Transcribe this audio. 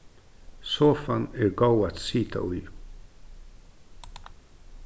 sofan er góð at sita í